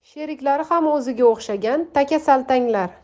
sheriklari ham o'ziga o'xshagan takasaltanglar